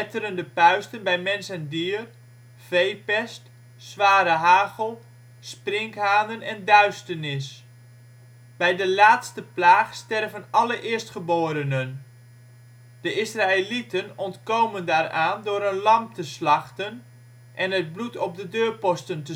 puisten bij mens en dier, veepest, zware hagel, sprinkhanen en duisternis. Bij de laatste plaag sterven alle eerstgeborenen. De Israëlieten ontkomen daaraan door een lam te slachten en het bloed op de deurposten